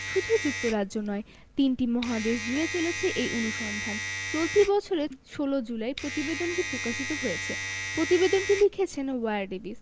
শুধু যুক্তরাজ্য নয় তিনটি মহাদেশজুড়ে চলেছে এই অনুসন্ধান চলতি বছরের ১৬ জুলাই প্রতিবেদনটি প্রকাশিত হয়েছে প্রতিবেদনটি লিখেছেন ওয়্যার ডেভিস